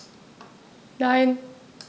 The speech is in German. Nein.